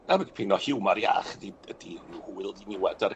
A dipyn o hiwmar iach ydi ydi ryw hwyl ddiniwad ar